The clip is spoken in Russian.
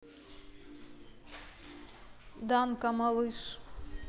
данка малыш